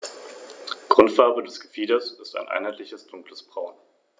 Damit beherrschte Rom den gesamten Mittelmeerraum.